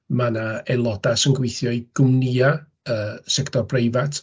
Mae 'na aelodau sy'n gweithio i gwmnïau yy sector breifat.